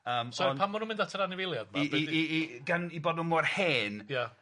yym sôn... Pa- pam ma' nw'n mynd at yr anifeiliaid 'ma be' 'di... I i i i gan 'u bod nw mor hen... Ia.